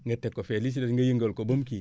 nga teg ko fee li si des nga yëngal ko ba mu kii